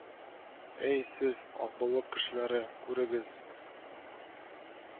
Әй, сез, Акбалык кешеләре, күрегез